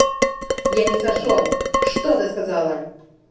я не сошел что ты сказала